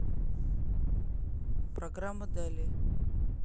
программа далее